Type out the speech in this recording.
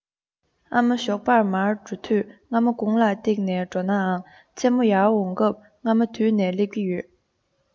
ཨ མ ཞོགས པར མར འགྲོ དུས རྔ མ དགུང ལ བཏེགས ནས འགྲོ ནའང མཚན མོ ཡར འོང སྐབས རྔ མ དུད ནས སླེབས ཀྱི ཡོད